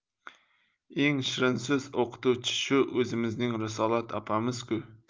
eng shirinso'z o'qituvchi shu o'zimizning risolat opamiz ku